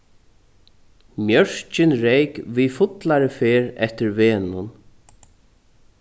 mjørkin reyk við fullari ferð eftir vegnum